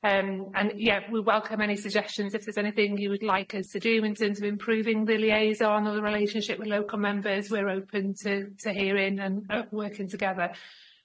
Um and yeah we welcome any suggestions if there's anything you would like us to do in terms of improving the liaison or the relationship with local members we're open to to hearing and yy working together.